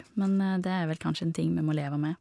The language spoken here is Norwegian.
Men det er vel kanskje en ting vi må leve med.